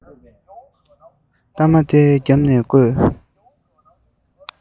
སྟ མ སྟེའུ བརྒྱབ ནས བརྐོས